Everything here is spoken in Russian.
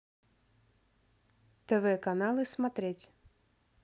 тв каналы смотреть